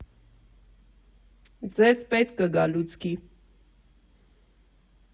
Ձեզ պետք կգա լուցկի։